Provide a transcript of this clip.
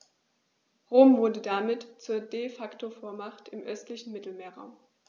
Rom wurde damit zur ‚De-Facto-Vormacht‘ im östlichen Mittelmeerraum.